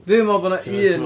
Fi yn meddwl bod 'na un.